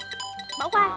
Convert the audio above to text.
bỏ qua